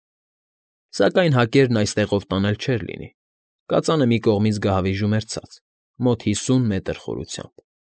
Սակայն հակերն այստեղ տանել չէր լինի՝ կածանը մի կողմից գահավիժում էր ցած, մոտ հիսուն մետր խորությամբ։